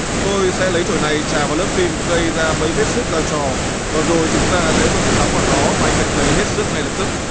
tôi sẽ lấy chổi này chà vào lớp phim gây ra mấy vết xước ra trò vừa rồi chúng ta sẽ dội nước nóng vào nó và anh sẽ thấy hết sức ngay lập tức